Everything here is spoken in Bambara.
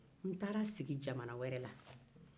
n taara sigi jamana wɛrɛ la